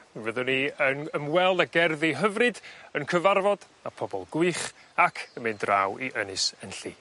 Fe fyddwn ni yn ymweld â gerddi hyfryd yn cyfarfod â pobol gwych ac y mynd draw i Ynys Enlli